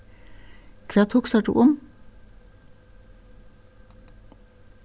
hvat hugsar tú um